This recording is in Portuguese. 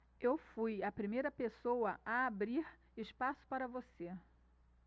eu fui a primeira pessoa a abrir espaço para você